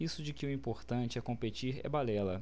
isso de que o importante é competir é balela